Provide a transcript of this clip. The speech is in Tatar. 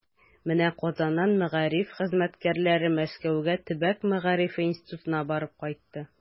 Менә Казаннан мәгариф хезмәткәрләре Мәскәүгә Төбәк мәгарифе институтына барып кайтты.